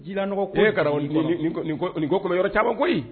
Ji nɔgɔ ko ye ka nin ko caman koyi